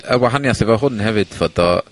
...y wahaniath efo hwn hefyd fod o